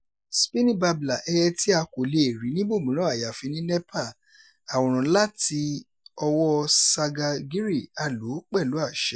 Spiny Babbler, ẹyẹ tí a kò le è rí níbòmìrán àyàfi ní Nepal. Àwòrán láti ọwọ́ọ Sagar Giri. A lò ó pẹ̀lú àṣẹ.